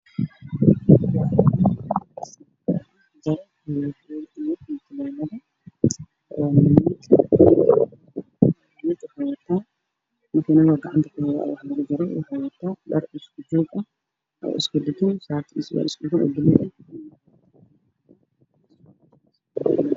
Waa labo nin wataan qamiisyo cadaan waxay feeraynayaan shaati cadaan